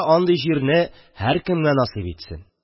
Андый җирне һәркемгә насыйп итсен!